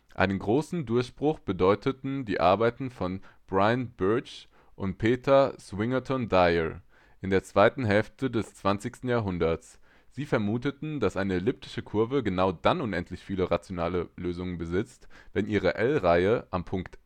Einen großen Durchbruch bedeuteten die Arbeiten von Bryan Birch und Peter Swinnerton-Dyer in der zweiten Hälfte des zwanzigsten Jahrhunderts. Sie vermuteten, dass eine elliptische Kurve genau dann unendlich viele rationale Lösungen besitzt, wenn ihre L-Reihe am Punkt